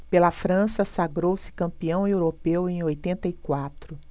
pela frança sagrou-se campeão europeu em oitenta e quatro